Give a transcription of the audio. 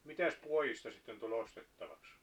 mitäs puodista sitten tuli ostettavaksi